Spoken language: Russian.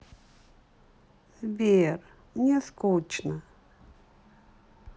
сбер мне скучно